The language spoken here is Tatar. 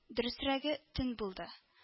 Дөресрәге, төн булды